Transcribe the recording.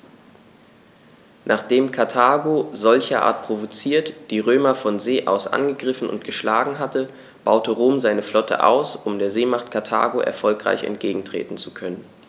Nachdem Karthago, solcherart provoziert, die Römer von See aus angegriffen und geschlagen hatte, baute Rom seine Flotte aus, um der Seemacht Karthago erfolgreich entgegentreten zu können.